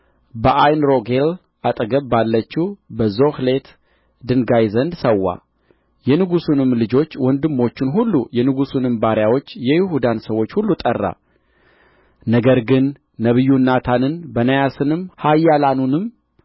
በዓይንሮጌል አጠገብ ባለችው በዞሔሌት ድንጋይ ዘንድ ሠዋ የንጉሡንም ልጆች ወንድሞቹን ሁሉ የንጉሡንም ባሪያዎች የይሁዳን ሰዎች ሁሉ ጠራ ነገር ግን ነቢዩን ናታንን በናያስንም ኃያላኑንም